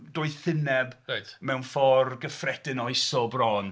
Doethineb... Reit... Mewn ffordd gyffredin oesol bron.